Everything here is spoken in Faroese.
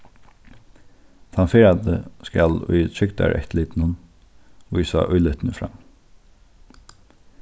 tann ferðandi skal í trygdareftirlitinum vísa íløtini fram